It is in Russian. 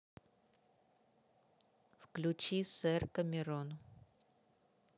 включи сэр камерун